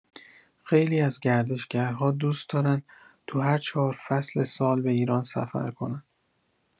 خیلی از گردشگرها دوست دارن تو هر چهار فصل سال به ایران سفر کنن